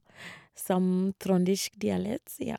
Som trøndersk dialekt, ja.